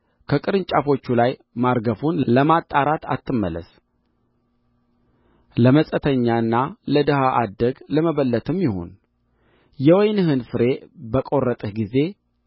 ከቅርንጫፎቹ ላይ ማርገፉን ለማጣራት አትመለስ ለመጻተኛና ለድሀ አደግ ለመበለትም ይሁን የወይንህን ፍሬ በቈረጥህ ጊዜ